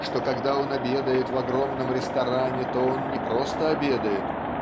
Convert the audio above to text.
что когда он обедает в огромном ресторане то он не просто обедает